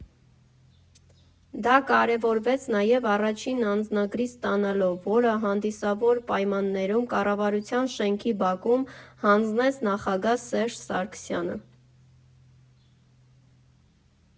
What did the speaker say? Դա կարևորվեց նաև առաջին անձնագրիս ստանալով, որը հանդիսավոր պայմաններում Կառավարության շենքի բակում հանձնեց նախագահ Սերժ Սարգսյանը։